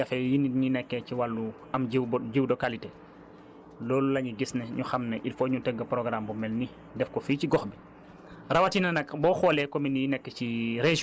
parce que dafa am lu ko tax a jóg jafe-jafe yi nit ñi nekkee ci wàllu am jiwu ba jiwu de qualité loolu la ñu gis ne ñu xam ne il faut ñu tëgg programme bu mel nii def ko fii ci gox bi